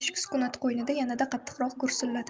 eshik sukunat qo'ynida yanada qattiqroq gursilladi